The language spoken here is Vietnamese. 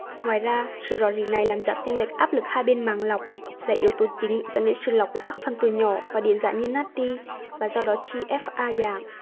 ngoài ra sự rò rỉ này làm giảm chênh lệch áp lực hai bên màng lọc là yếu tố chính dẫn đến sự lọc của phân tử nhỏ và điện giải như natri và do đó gfr giảm